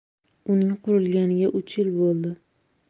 uning qurilganiga uch yil bo'ldi